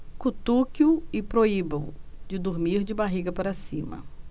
cutuque-o e proíba-o de dormir de barriga para cima